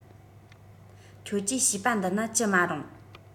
ཁྱོད ཀྱིས བྱིས པ འདི ན ཅི མ རུང